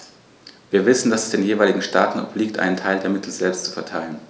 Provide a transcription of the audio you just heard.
Wir wissen, dass es den jeweiligen Staaten obliegt, einen Teil der Mittel selbst zu verteilen.